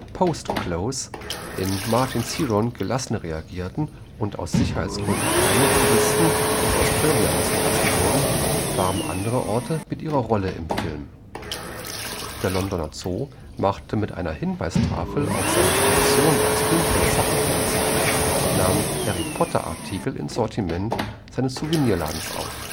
Post Close in Martins Heron gelassen reagierten und aus Sicherheitsgründen keine Touristen ins Australia House gelassen wurden, warben andere Orte mit ihrer Rolle im Film. Der Londoner Zoo machte mit einer Hinweistafel auf seine Funktion als Filmkulisse aufmerksam und nahm Harry-Potter-Artikel ins Sortiment seines Souvenirladens auf